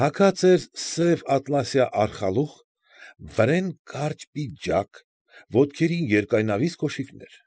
Հագած էր սև ատլասյա արխալուղ, վրեն կարճ պիջակ, ոտքերին երկայնավիզ կոշիկներ։